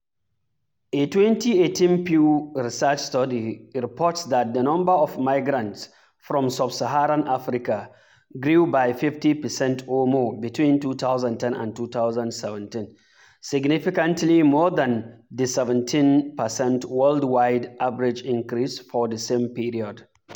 A 2018 Pew Research study reports that the number of migrants from sub-Saharan Africa "grew by 50% or more between 2010 and 2017, significantly more than the 17% worldwide average increase for the same period".